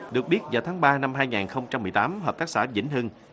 được biết vào tháng ba năm hai ngàn không trăm mười tám hợp tác xã vĩnh hưng